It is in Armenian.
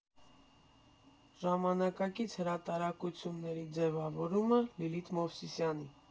Ժամանակակից հրատարակությունների ձևավորումը՝ Լիլիթ Մովսիսյանի։